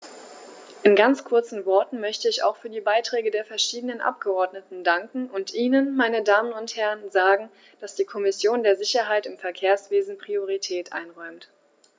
In ganz kurzen Worten möchte ich auch für die Beiträge der verschiedenen Abgeordneten danken und Ihnen, meine Damen und Herren, sagen, dass die Kommission der Sicherheit im Verkehrswesen Priorität einräumt.